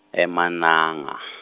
eMananga .